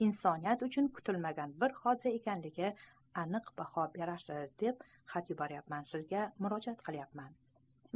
insoniyat uchun kutilmagan bir hodisa ekanligiga aniq baho berarsiz deb ushbu xat bilan sizga murojaat qilayotirman